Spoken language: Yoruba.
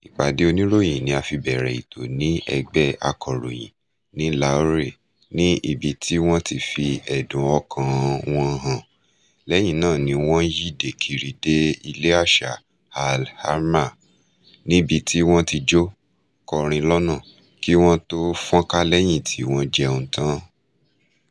Ìpàdé oníròyìn ni a fi bẹ̀rẹ̀ ètò ní Ilé Ẹgbẹ́ Akọ̀ròyìn ní Lahore níbi tí wọ́n ti fi ẹ̀dùn ọkàn-an wọn hàn; lẹ́yìn náà ni wọ́n yíde kiri dé Ilé Àṣà Al Hamra níbi tí wọ́n ti jó, kọrin lọ́nà, kí wọn ó tó fọ́nká lẹ́yìn tí wọ́n jẹun tán.